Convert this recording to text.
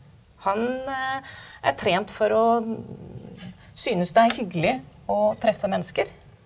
han er trent for å synes det er hyggelig å treffe mennesker.